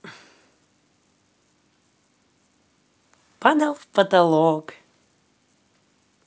падал в потолок